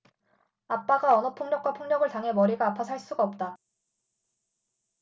아빠가 언어폭력과 폭력을 당해 머리가 아파 살 수가 없다